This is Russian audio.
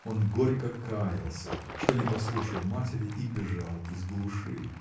Он горько каялся, что не послушал матери и бежал из глуши.